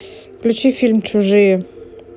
включи фильм чужие